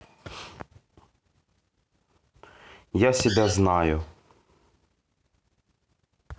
я себя знаю